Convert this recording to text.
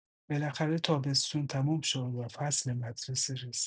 بالاخره تابستون تموم شد و فصل مدرسه رسید.